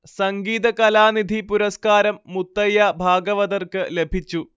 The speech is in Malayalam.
സംഗീത കലാനിധി പുരസ്കാരം മുത്തയ്യാ ഭാഗവതർക്ക് ലഭിച്ചു